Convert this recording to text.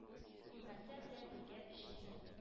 Күрмәсәм дә бергә өчесен,